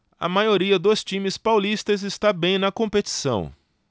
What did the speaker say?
a maioria dos times paulistas está bem na competição